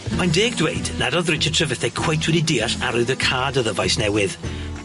Mae'n deg dweud nad o'dd Richard Trevithick cweit wedi deall arwyddocâd y ddyfais newydd.